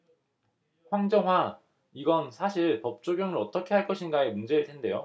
황정화 이건 사실 법 적용을 어떻게 할 것인가의 문제일 텐데요